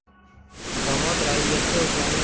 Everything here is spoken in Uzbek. domod raiyyatga o'zlarini